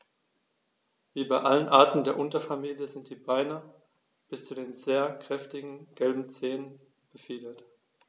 Wie bei allen Arten der Unterfamilie sind die Beine bis zu den sehr kräftigen gelben Zehen befiedert.